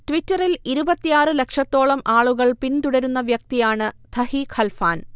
ട്വിറ്ററിൽ ഇരുപത്തിയാറ് ലക്ഷത്തോളം ആളുകൾ പിന്തുടരുന്ന വ്യക്തിയാണ് ധഹി ഖൽഫാൻ